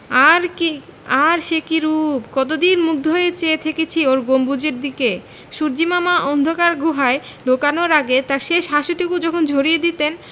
আর কি আর সে কি রুপ কতদিন মুগ্ধ হয়ে চেয়ে থেকেছি ওর গম্বুজের দিকে সূর্য্যিমামা অন্ধকার গুহায় লুকানোর আগে তাঁর শেষ হাসিটুকু যখন ঝরিয়ে দিতেন